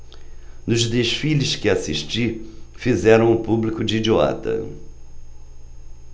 nos desfiles que assisti fizeram o público de idiota